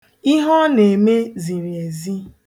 Ihe ọ na-eme ziriezi